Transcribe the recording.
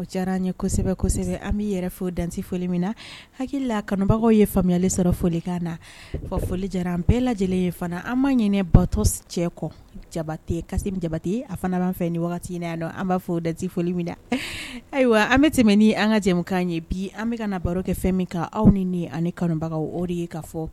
O ca ye kosɛbɛ an bɛ yɛrɛ fo dan foli min na hakili la kanubagaw ye faamuyali sɔrɔ folikan na fɔ foli jara an bɛɛ lajɛlen ye fana an ma ɲinɛ bato cɛ kɔ jabate ka jabate a fana b'an fɛ ni wagati a an b'a fɔo dan foli min na ayiwa an bɛ tɛmɛ ni an ka jɛkan ye bi an bɛka ka baro kɛ fɛn min kan aw ni ani kanubagaw o de ye ka fɔ